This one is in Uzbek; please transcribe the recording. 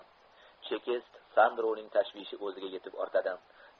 chekist sandroning tashvishi o'ziga yetib ortadi